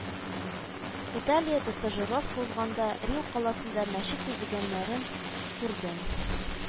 Италиядә стажировка узганда Рим каласында мәчет төзегәннәрен күрдем